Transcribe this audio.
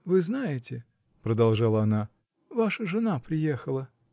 -- Вы знаете, -- продолжала она, -- ваша жена приехала.